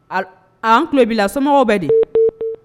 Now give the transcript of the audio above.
Al awɔ an kulo b'i la somɔgɔw bɛ di